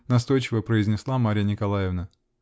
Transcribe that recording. -- настойчиво произнесла Марья Николаевна.